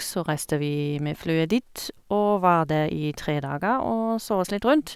Så reiste vi med flyet dit og var der i tre dager og så oss litt rundt.